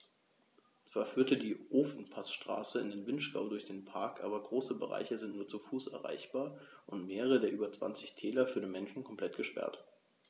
Zwar führt die Ofenpassstraße in den Vinschgau durch den Park, aber große Bereiche sind nur zu Fuß erreichbar und mehrere der über 20 Täler für den Menschen komplett gesperrt.